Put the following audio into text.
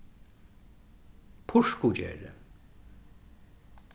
purkugerði